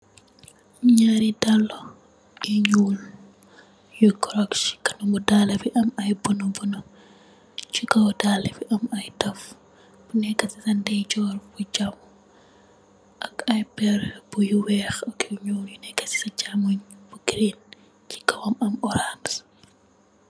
Ñaari daal, yu ñuul, yu koroks, si kanamu daala bi am aye bona bona, chi kaw daal bi am aye taf, neka si sa nday joor mu jam, ak aye per yu weex ak yu ñuul, yu neka sisa chamoñ bu green, chi kawam am orans.